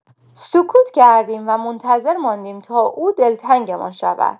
سکوت کردیم و منتظر ماندیم تا او دلتنگمان شود.